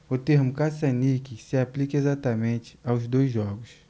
o termo caça-níqueis se aplica exatamente aos dois jogos